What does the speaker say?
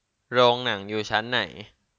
โรงหนังอยู่ชั้นไหน